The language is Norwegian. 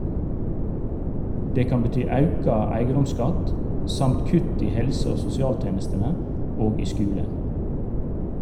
Det kan bety auka eigedomsskatt, samt kutt i helse- og sosialtenestene og i skulen.